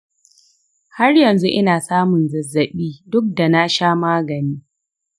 har yanzu ina samun zazzabi duk da nasha magani